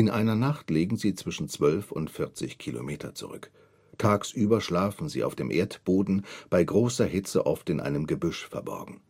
einer Nacht legen sie zwischen 12 und 40 Kilometer zurück. Tagsüber schlafen sie auf dem Erdboden, bei großer Hitze oft in einem Gebüsch verborgen